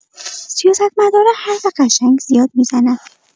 سیاستمدارا حرف قشنگ زیاد می‌زنن.